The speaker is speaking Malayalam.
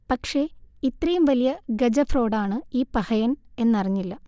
പക്ഷേ ഇത്രയും വലിയ ഗജഫ്രോഡാണ് ഈ പഹയൻ എന്നറിഞ്ഞില്ല